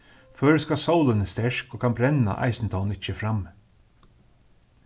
føroyska sólin er sterk og kann brenna eisini tá hon ikki er frammi